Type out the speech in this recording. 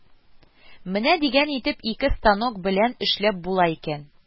Менә дигән итеп ике станок белән эшләп була икән